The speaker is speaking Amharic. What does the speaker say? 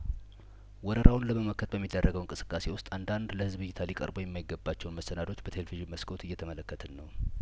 ወረራውን ለመመከት በሚደረገው እንቅስቃሴ ውስጥ አንዳንድ ለህዝብ እይታ ሊቀርቡ የማይገባቸውን መሰናዶዎች በቴሌቪዥን መስኮት እየተመለከትን ነው